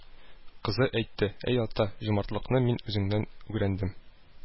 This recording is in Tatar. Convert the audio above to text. Кызы әйтте: «Әй ата, җумартлыкны мин үзеңнән үгрәндем